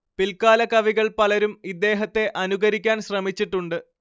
പിൽക്കാല കവികൾ പലരും ഇദ്ദേഹത്തെ അനുകരിക്കാൻ ശ്രമിച്ചിട്ടുണ്ട്